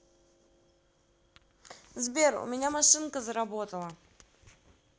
сбер у меня машинка заработала